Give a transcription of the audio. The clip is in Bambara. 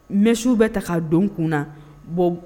Mèche bɛ ta ka don kun na bon